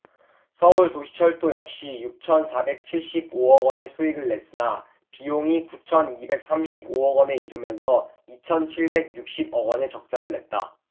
서울도시철도 역시 육천 사백 칠십 오 억원의 수익을 냈으나 비용이 구천 이백 삼십 오 억원에 이르면서 이천 칠백 육십 억원의 적자를 냈다